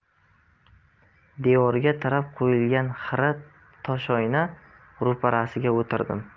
devorga tirab qo'yilgan xira toshoyna ro'parasiga o'tirdim